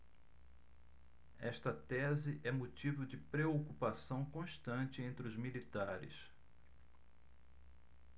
esta tese é motivo de preocupação constante entre os militares